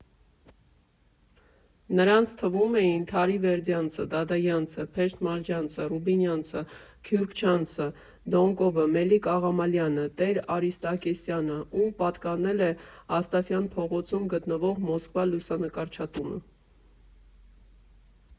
Նրանց թվում էին Թարիվերդյանցը, Դադայանցը, Փեշտմալջյանը, Ռուբինյանցը, Քյուրքչյանցը, Դոնկովը, Մելիք֊Աղամալյանը, Տեր֊Արիստակեսյանը, ում պատկանել է Աստաֆյան փողոցում գտնվող «Մոսկվա» լուսանկարչատունը։